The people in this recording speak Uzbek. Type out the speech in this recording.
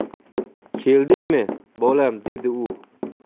keldingmi bolam dedi u